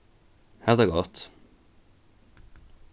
hav tað gott